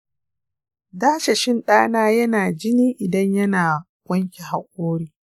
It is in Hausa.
dadashin ɗana yana jini idan ya na wanke hakori.